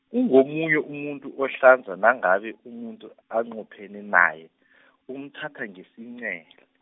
ungomunye umuntu ohlanza nangabe umuntu anqophene naye , umthatha ngesincele.